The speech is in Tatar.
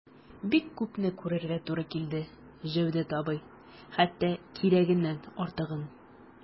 Бик күпне күрергә туры килде, Җәүдәт абый, хәтта кирәгеннән артыгын...